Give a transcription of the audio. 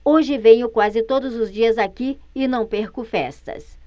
hoje venho quase todos os dias aqui e não perco festas